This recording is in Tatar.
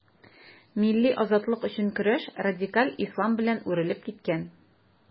Милли азатлык өчен көрәш радикаль ислам белән үрелеп киткән.